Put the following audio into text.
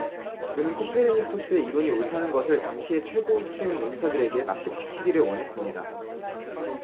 그는 코페르니쿠스의 이론이 옳다는 것을 당시의 최고위층 인사들에게 납득시키기를 원했습니다